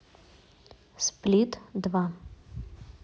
сплит два